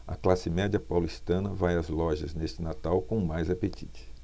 a classe média paulistana vai às lojas neste natal com mais apetite